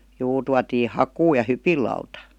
juu tuotiin hakua ja hypinlauta